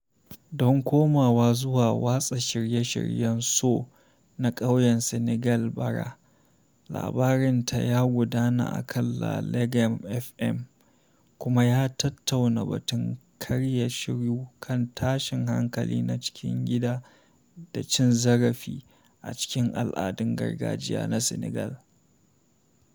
Don komawa zuwa watsa shirye-shiryen Sow a ƙauyen Senegal bara: labarinta ya gudana akan La Laghem FM, kuma ya tattauna batun karya shiru kan tashin hankali na cikin gida da cin zarafi a cikin al’adun gargajiya na Senegal.